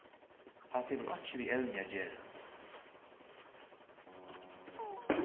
hatta hevur einki við evnið at gera